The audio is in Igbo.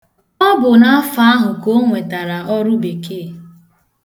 Ọ bụ n'afọ ahụ ka o nwetara ọrụ bekee.